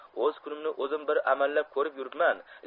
o'z kunimni o'zim bir amallab 'rib yuribman